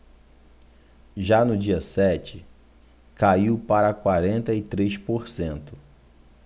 já no dia sete caiu para quarenta e três por cento